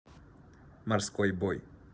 морской бой